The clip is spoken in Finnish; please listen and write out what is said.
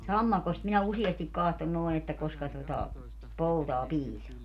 sammakosta minä useasti katson noin että koska tuota poutaa piisaa